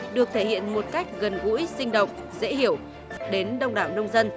được thể hiện một cách gần gũi sinh động dễ hiểu đến đông đảo nông dân